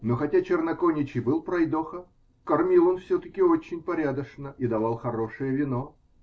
Но, хотя Черноконич и был пройдоха, кормил он все-таки очень порядочно и давал хорошее вино.